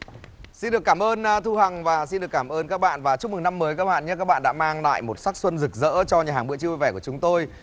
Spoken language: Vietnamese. xin được cảm ơn ơn thu hằng và xin được cảm ơn các bạn và chúc mừng năm mới các bạn nhớ các bạn đã mang lại một sắc xuân rực rỡ cho nhà hàng bữa trưa vui vẻ của chúng tôi